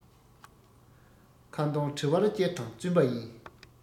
ཁ འདོན གྲེ བར བསྐྱིལ དང བཙུན པ ཡིན